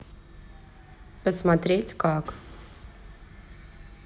посмотреть как